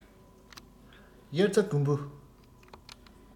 དབྱར རྩྭ དགུན འབུ